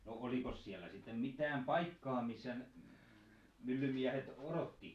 no olikos siellä sitten mitään paikkaa missä myllymiehet odotti